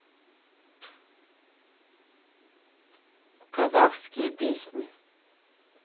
казахские песни